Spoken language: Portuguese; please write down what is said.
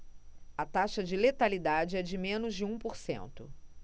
a taxa de letalidade é de menos de um por cento